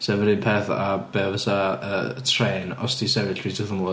Sef yr un peth a be fysa yy trên os ti'n sefyll reit wrth ymyl y...